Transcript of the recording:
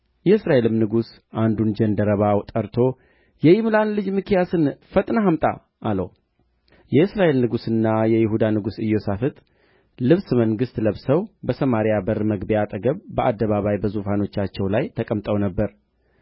የእስራኤልም ንጉሥ አንዱን ጃንደረባ ጠርቶ የይምላን ልጅ ሚክያስን ፈጥነህ አምጣ አለው የእስራኤል ንጉሥና የይሁዳ ንጉሥ ኢዮሣፍጥ ልብሰ መንግሥት ለብሰው በሰማርያ በር መግቢያ አጠገብ በአደባባይ በዙፋኖቻቸው ላይ ተቀምጠው ነበር